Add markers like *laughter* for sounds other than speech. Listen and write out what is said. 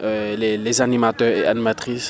*hesitation* les les animateurs et animatrices